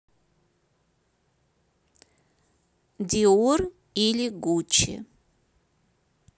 dior или gucci